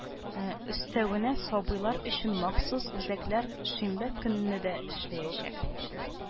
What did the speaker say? Өстәвенә, сабыйлар өчен махсус үзәкләр шимбә көнне дә эшләячәк